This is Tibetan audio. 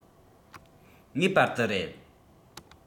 ངེས པར དུ རེད